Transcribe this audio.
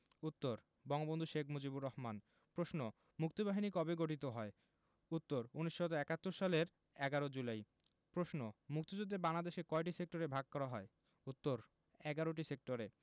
উত্তর বঙ্গবন্ধু শেখ মুজিবুর রহমান প্রশ্ন মুক্তিবাহিনী কবে গঠিত হয় উত্তর ১৯৭১ সালের ১১ জুলাই প্রশ্ন মুক্তিযুদ্ধে বাংলাদেশকে কয়টি সেক্টরে ভাগ করা হয় উত্তর ১১টি সেক্টরে